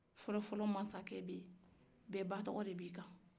fɔlɔ-fɔlɔ masakɛ be yen bɛɛ ba tɔgɔ de b'i kan